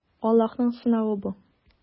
Аллаһның сынавы бу.